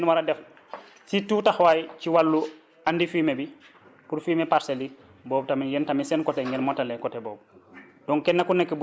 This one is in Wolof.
waaye yéen tamit li ngeen war a def surtout taxawaay ci wàllu andi fumier bi pour fumier parcelles yi boobu tamit yéen tamit seen côté ngeen moatale côté boobu